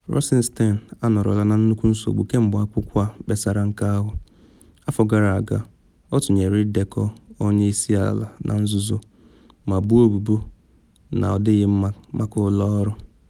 Rosenstein anọrọla na nnukwu nsogbu kemgbe akwụkwọ a kpesara nke ahụ, afọ gara aga, ọ tụnyere ịdekọ onye isi ala na nzuzo ma boo ebubo na ọ dịghị mma maka ụlọ ọrụ.